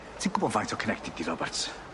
Ti'n gwbod faint o connected 'di Roberts?